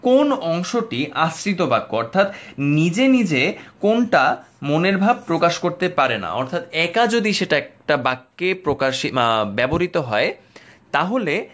কোন অংশটি আশ্রিত বাক্য অর্থাৎ নিজে নিজে কোনটা মনের ভাব প্রকাশ করতে পারে না অর্থাৎ একা যদি সেটা একটা বাক্যে প্রকাশ বা ব্যবহৃত হয় তাহলে